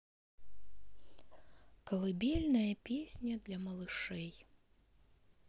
колыбельная песня для малышей